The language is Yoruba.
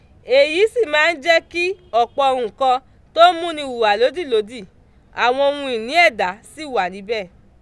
Èyí sì máa ń jẹ́ kí ọ̀pọ̀ nǹkan tó ń múni hùwà lódìlódì, àwọn ohun ìní ẹ̀dá sì wà níbẹ̀.